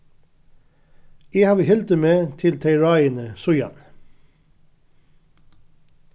eg havi hildið meg til tey ráðini síðani